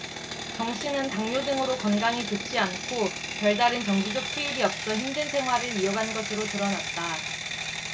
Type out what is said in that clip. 정씨는 당뇨 등으로 건강이 좋지 않고 별다른 정기적 수입이 없어 힘든 생활을 이어간 것으로 드러났다